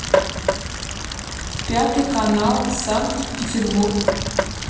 пятый канал санкт петербург